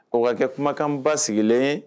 O ka kɛ kumakan basigilen ye